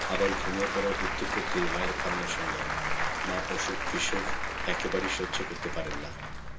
আবার ঘুমিয়ে পড়ার উদ্যোগ করতেই মায়ের কান্না শুনলাম মা অসুখ বিসুখ একেবারেই সহ্য করতে পারেন না